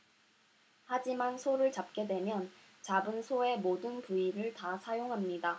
하지만 소를 잡게 되면 잡은 소의 모든 부위를 다 사용합니다